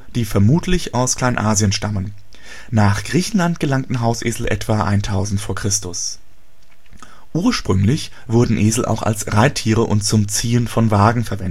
die vermutlich aus Kleinasien stammen. Nach Griechenland gelangten Hausesel etwa 1000 v. Chr.. Ursprünglich wurden Esel auch als Reittiere und zum Ziehen von Wagen